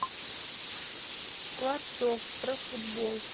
скворцов про футбол